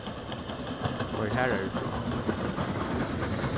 koyr harðari frá